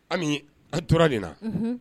Hali a tora de na